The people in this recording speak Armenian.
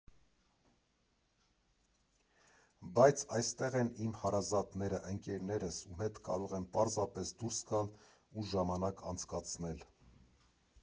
Բայց այստեղ են իմ հարազատները, ընկերներս, ում հետ կարող եմ պարզապես դուրս գալ ու ժամանակ անցկացնել։